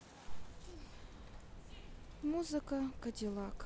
музыка кадиллак